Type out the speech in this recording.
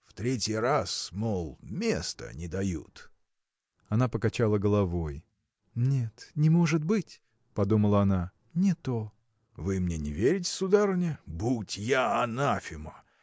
– В третий раз, мол, места не дают. Она покачала головой. Нет: не может быть! – подумала она, – не то! – Вы мне не верите, сударыня? будь я анафема!